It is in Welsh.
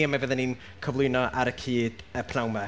a mi fyddan ni'n cyflwyno ar y cyd y pnawn 'ma.